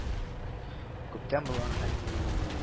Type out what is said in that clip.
Күптән булган хәл иде